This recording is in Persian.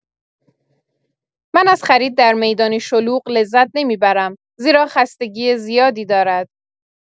من از خرید در می‌دانی شلوغ لذت نمی‌برم، زیرا خستگی زیادی دارد.